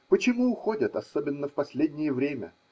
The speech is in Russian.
Почему уходят, особенно в последнее время.